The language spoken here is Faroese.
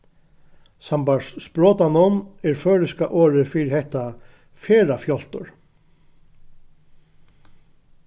sambært sprotanum er føroyska orðið fyri hetta ferðafjáltur